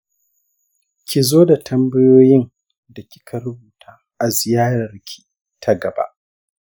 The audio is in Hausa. ki zo da tambayoyin da kika rubuta a ziyararki ta gaba.